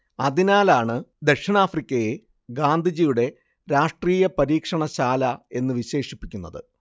അതിനാലാണ് ദക്ഷിണാഫ്രിക്കയെ ഗാന്ധിജിയുടെ രാഷ്ട്രീയ പരീക്ഷണ ശാല എന്നു വിശേഷിപ്പിക്കുന്നത്